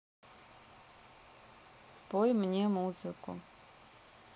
спой мне музыку